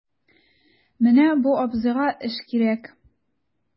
Менә бу абзыйга эш кирәк...